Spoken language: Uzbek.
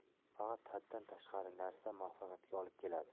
faqat haddan tashqari narsa muvaffaqiyatga olib keladi